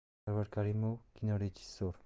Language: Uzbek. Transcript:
sarvar karimov kinorejissor